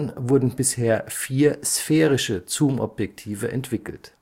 wurden bisher 4 sphärische Zoomobjektive entwickelt